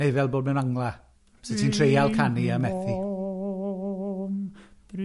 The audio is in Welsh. Neu fel bod mewn angla, os o' ti'n treial canu a methu. Bring him hooome